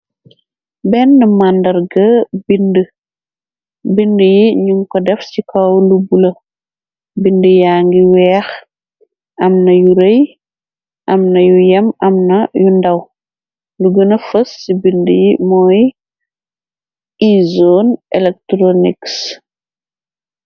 Benn màndar ga bind yi ñum ko def ci kaw lu bula bind yaa ngi weex am na yu rëy amna yu yem amna yu ndaw lu gëna fës ci bind yi mooy ezon elektronik.